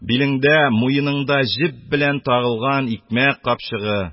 Билендә, муенында җеп белән тагылган икмәк капчыгы.